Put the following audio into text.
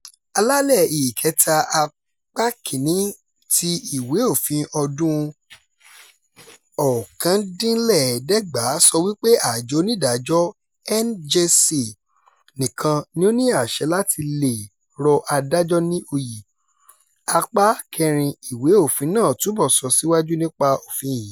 Àlàálẹ̀ Ìkẹta, Apá 1, ti ìwé òfin ọdún-un 1999 sọ wípé Àjọ Onídàájọ́ (NJC) nìkan ni ó ní àṣẹ láti lè rọ adájọ́ ní oyè. Apá IV ìwé òfin náà túbọ̀ sọ síwájú nípa òfin yìí.